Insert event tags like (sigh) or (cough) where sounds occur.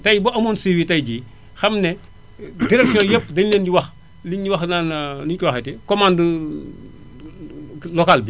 tay bu amoon suivi tay jii xam ne (coughs) directions yépp dañu leen di wax li ñuy wax naan (hesitation) nu énu koy waxeeti commande (hesitation) locale bi